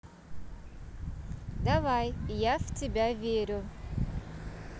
давай я в тебя верю